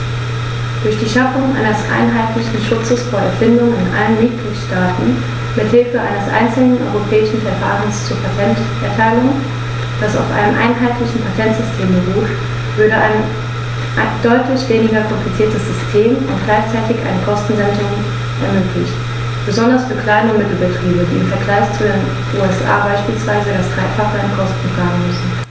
Durch die Schaffung eines einheitlichen Schutzes von Erfindungen in allen Mitgliedstaaten mit Hilfe eines einzelnen europäischen Verfahrens zur Patenterteilung, das auf einem einheitlichen Patentsystem beruht, würde ein deutlich weniger kompliziertes System und gleichzeitig eine Kostensenkung ermöglicht, besonders für Klein- und Mittelbetriebe, die im Vergleich zu den USA beispielsweise das dreifache an Kosten tragen müssen.